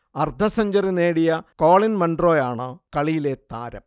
അർധ സെഞ്ച്വറി നേടിയ കോളിൻ മൺറോയാണ് കളിയിലെ താരം